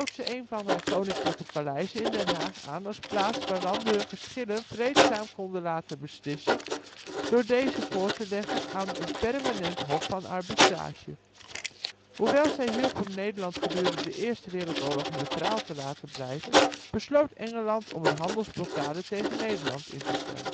ze een van haar koninklijke paleizen in Den Haag aan als plaats waar landen hun geschillen vreedzaam konden laten beslissen door deze voor te leggen aan het Permanente Hof van Arbitrage. Hoewel zij hielp om Nederland gedurende de Eerste Wereldoorlog neutraal te laten blijven, besloot Engeland om een handelsblokkade tegen Nederland in te stellen